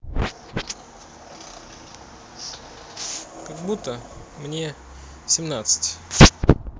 как будто мне семнадцать